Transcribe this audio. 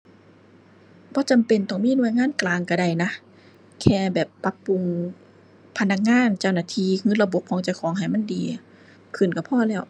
บ่จำเป็นต้องมีหน่วยงานกลางก็ได้นะ แค่แบบปรับปรุงพนักงาน เจ้าหน้าที่ก็ระบบของเจ้าของให้มันดีขึ้นก็พอแล้ว